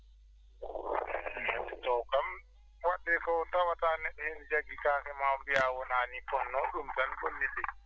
heddotoo kam ko wadde ko tawat taa neɗɗo ina jaggi kaake ma mbiyaa wonaa nii fotnoo ɗum tan bonni ɗum